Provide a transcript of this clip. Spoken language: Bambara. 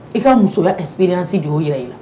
I ka musoya expérience de y'o jira i la.